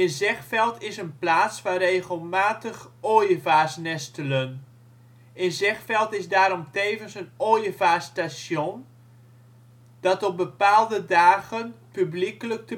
Zegveld is een plaats waar regelmatig ooievaars nestelen. In Zegveld is daarom tevens een Ooievaarsstation die op bepaalde dagen publiekelijk